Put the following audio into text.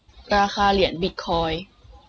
ราคาเหรียญบิทคอยน์